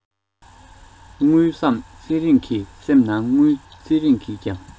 དངུལ བསམ ཚེ རིང གི སེམས ནང དངུལ ཚེ རིང གིས ཀྱང